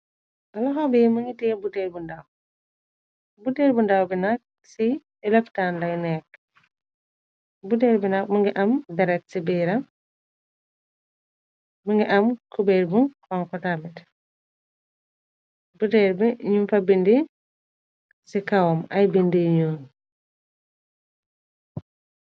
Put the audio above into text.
Loxo bi mi ngi tay buteel bu ndaw buteel bu ndaw bi nak ci ileptaan lay nekk. Buteel binag më ngi am daret ci biiram mu ngi am ci beer bu xonkotamit. Buteel bi ñum fa bindi ci kawam ay bind i ñuon.